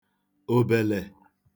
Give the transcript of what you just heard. òbèlè